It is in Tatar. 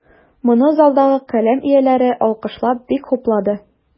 Моны залдагы каләм ияләре, алкышлап, бик хуплады.